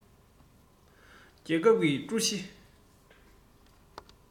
རྒྱལ ཁབ ཀྱི ཀྲུའུ ཞི